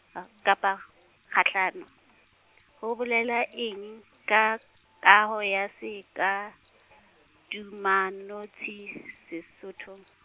kapa kgahlano, ho bolelwa eng ka, kaho ya, sekatumanotshi Sesothong?